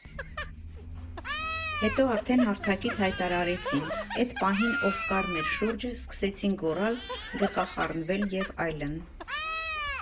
Հետո արդեն հարթակից հայտարարեցին, էդ պահին ով կար մեր շուրջը՝ սկսեցին գոռալ, գրկախառնվել և այլն։